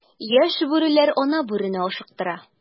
Яшь бүреләр ана бүрене ашыктыра.